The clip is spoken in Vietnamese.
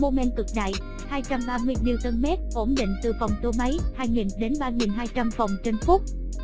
momen xoắn cực đại n m ổn định từ vòng tua máy vòng trên phút